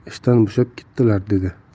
qiz ishdan bo'shab ketdilar dedi